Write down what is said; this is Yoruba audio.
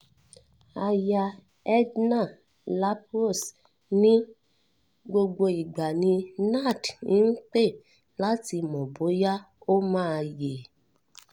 Aya Ednan-Laperouse ní “gbogbo ìgbà ni Nad ń pè láti mọ bóyá ó máa yèé.”